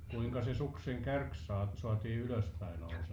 kuinka se suksen kärki - saatiin ylöspäin nousemaan